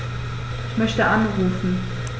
Ich möchte anrufen.